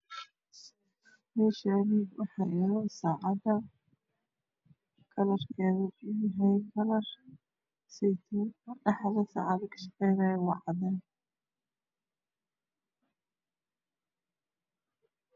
Meeshaani waxaa yaalo saacada kalarkeeda uu yahay kalarsaytuun ah dhaxda saacadaha ka shaqaynaayo waa cadaan